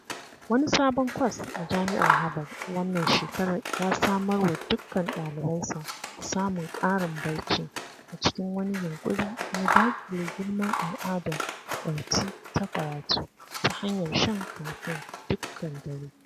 Wani sabon kwas a Jami’ar Harvard wannan shekarar ya samar wa dukkan ɗalibansa samun ƙarin barci a cikin wani yinƙuri na daƙile girman al’adar ƙarti ta karatu ta hanyar shan kafen ‘dukkan dare.’